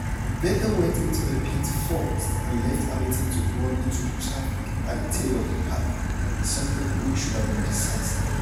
Vettel went into the pits first and left Hamilton to run into the traffic at the tail of the pack, something which should have been decisive.